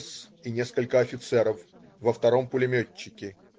С. и несколько офицеров, во втором - пулеметчики.